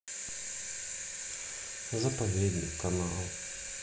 заповедник канал